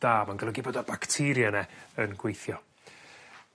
da ma'n golygu bod o bacterie yne yn gweithio.